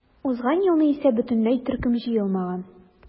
Узган елны исә бөтенләй төркем җыелмаган.